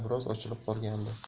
biroz ochilib qolgandi